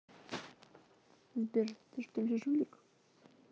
сбер ты что ли жулик